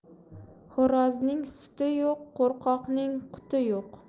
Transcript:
xo'rozning suti yo'q qo'rqoqning quti yo'q